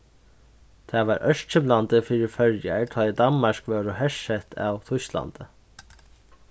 tað var ørkymlandi fyri føroyar tá ið danmark vórðu hersett av týsklandi